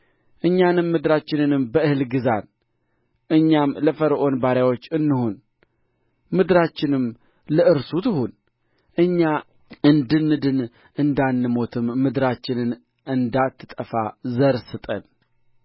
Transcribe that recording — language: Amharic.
እኛንም ምድራችንንም በእህል ግዛን እኛም ለፈርዖን ባሪያዎች እንሁን ምድራችንም ለእርሱ ትሁን እኛ እንድንድን እንዳንሞትም ምድራችንም እንዳትጠፋ ዘር ስጠን